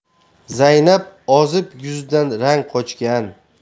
zaynab ozib yuzidan rang qochgan